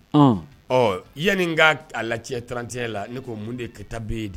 Un ɔ yanni n ka a la trantiya la ne ko mun de ye katabe ye di